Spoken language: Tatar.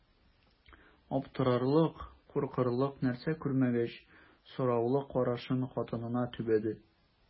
Аптырарлык, куркырлык нәрсә күрмәгәч, сораулы карашын хатынына төбәде.